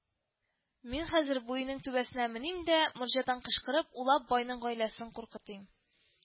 — мин хәзер бу өйнең түбәсенә меним дә, морҗадан кычкырып, улап, байның гаиләсен куркытыйм